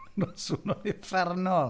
Hwnna'n swnio'n uffernol.